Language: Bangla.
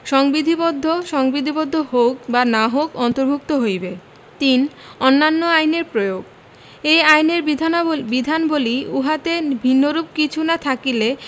সংবিধিবদ্ধ সংবিধিবদ্ধ হউক বা না হউক অন্তর্ভুক্ত হইবে ৩ অন্যান্য আইনের প্রয়োগ এই আইনের বিধানবলী উহাতে ভিন্নরূপ কিছু না থাকিলে